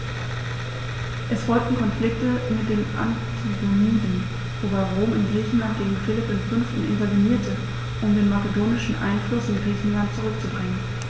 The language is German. Es folgten Konflikte mit den Antigoniden, wobei Rom in Griechenland gegen Philipp V. intervenierte, um den makedonischen Einfluss in Griechenland zurückzudrängen.